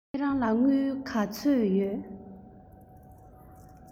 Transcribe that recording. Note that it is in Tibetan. ཁྱེད རང ལ དངུལ ག ཚོད ཡོད